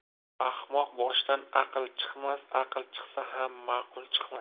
ahmoq boshdan aql chiqmas aql chiqsa ham ma'qul chiqmas